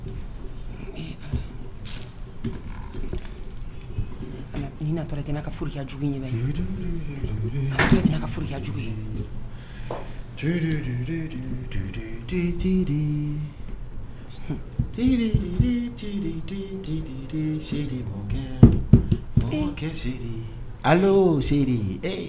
Ka jugu a ka jugu ye se se se